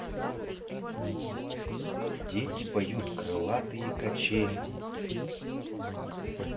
дети поют крылатые качели